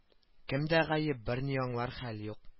Кемдә гаеп берни аңлар хәл юк